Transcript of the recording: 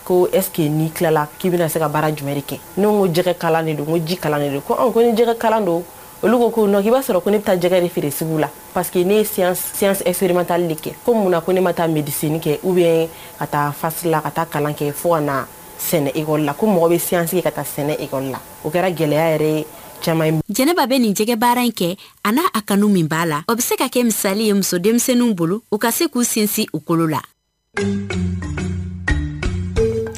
K jumɛn ko jɛgɛ don ko don don olu ko i b'a sɔrɔ ko ne jɛgɛgɛ feere segu la paseke ma taali de kɛ munna ko ne taa mini kɛ u bɛ ka taa fasila ka taa kalan kɛ fo kana na sɛnɛ e la ko mɔgɔ bɛ sinsin ka sɛnɛ e la o kɛra gɛlɛya yɛrɛ caman jɛnɛba bɛ nin jɛgɛ baara in kɛ a n'a a kan min' la o bɛ se ka kɛ misali ye muso denmisɛnninw bolo u ka se k'u sinsin u la